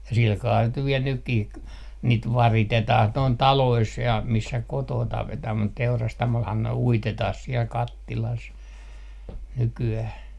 ja sillä kalella niitä nyt vielä nytkin - niitä varitetaan noin taloissa ja missä kotona tapetaan mutta teurastamollahan ne uitetaan siellä kattilassa nykyään